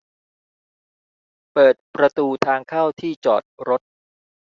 เปิดประตูทางเข้าที่จอดรถ